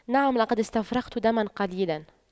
نعم لقد استفرغت دما قليلا